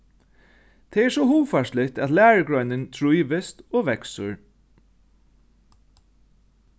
tað er so hugfarsligt at lærugreinin trívist og veksur